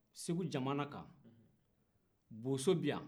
segu jamana kan bozo bɛ yan